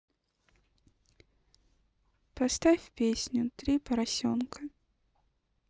поставь песню три поросенка